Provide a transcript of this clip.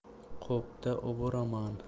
qopda oboraman